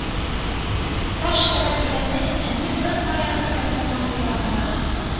Таш яра дигәндәй, әмир, беркадәр ясалма кыюланып,